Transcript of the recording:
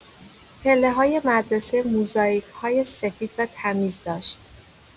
پله‌های مدرسه موزاییک‌های سفید و تمیز داشت.